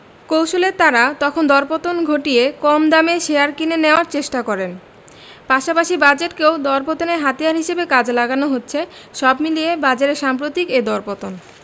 কৌশলে তাঁরা তখন দরপতন ঘটিয়ে কম দামে শেয়ার কিনে নেওয়ার চেষ্টা করেন পাশাপাশি বাজেটকেও দরপতনের হাতিয়ার হিসেবে কাজে লাগানো হচ্ছে সব মিলিয়ে বাজারের সাম্প্রতিক এ দরপতন